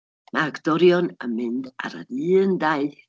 Mae actorion yn mynd ar yr un daith.